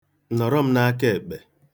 Nọrọ m n'akaekpe.